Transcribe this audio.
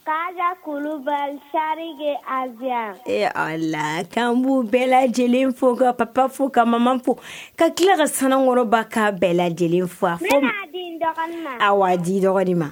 K kabalirige a ee ala la kanbu bɛɛ lajɛlen fo ka pap fo ka fo ka tila ka sanukɔrɔba ka bɛɛ lajɛlen fɔ fɛ a wa di ma